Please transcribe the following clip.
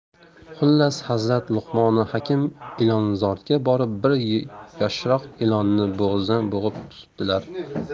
xullas hazrat luqmoni hakim ilonzorga borib bir yoshroq ilonni bo'g'zidan bo'g'ib tutibdilar